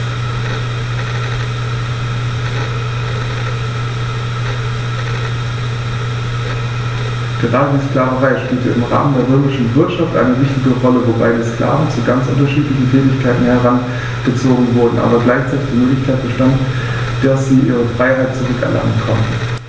Gerade die Sklaverei spielte im Rahmen der römischen Wirtschaft eine wichtige Rolle, wobei die Sklaven zu ganz unterschiedlichen Tätigkeiten herangezogen wurden, aber gleichzeitig die Möglichkeit bestand, dass sie ihre Freiheit zurück erlangen konnten.